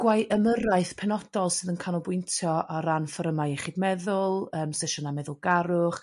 gweu ymyrraeth penodol sydd yn canolbwyntio o ran ffyrymau iechyd meddwl ym sesiyna' meddwlgarwch